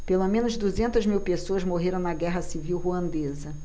pelo menos duzentas mil pessoas morreram na guerra civil ruandesa